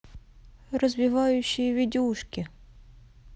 развивающие видюшки